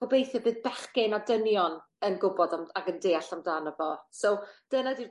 Gobeithio bydd bechgyn a dynion yn gwbod am- ag yn deall amdano fo. So dyna 'di'r